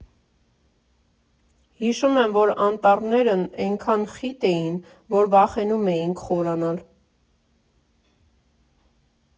Հիշում եմ, որ անտառներն էնքան խիտ էին, որ վախենում էինք խորանալ։